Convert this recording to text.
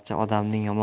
odamning yomoni qaroqchi